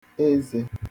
ezē